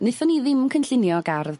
nethon ni ddim y cynllunio gardd...